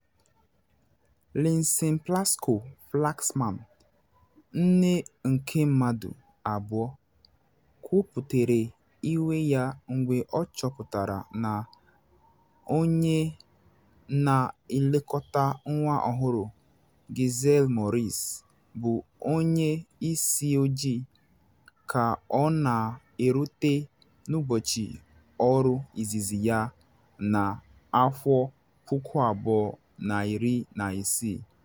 Lynsey Plasco-Flaxman, nne nke mmadụ abụọ, kwuputere iwe ya mgbe ọ chọpụtara na onye na elekọta nwa ọhụrụ, Giselle Maurice, bụ onye isi ojii ka ọ na erute n’ụbọchị ọrụ izizi ya na 2016.